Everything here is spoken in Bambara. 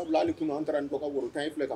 Fila an taara nin dɔgɔ ka woro tan filɛ kan